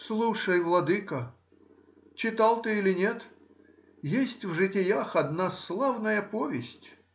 — Слушай, владыко, читал ты или нет,— есть в житиях одна славная повесть.